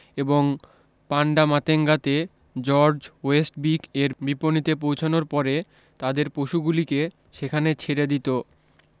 এবং পান্ডামাতেঙ্গাতে George Westbeech এর বিপনীতে পৌঁছনোর পরে তাদের পশুগুলিকে সেখানে ছেড়ে দিত